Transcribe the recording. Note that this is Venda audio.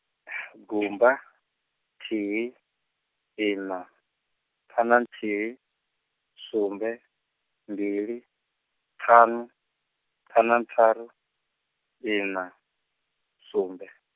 gumba, nthihi, ina, ṱhanu na nthihi, sumbe, mbili, ṱhanu, ṱhanu na ntharu , ina, sumbe.